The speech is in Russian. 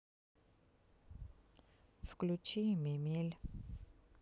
включи мемель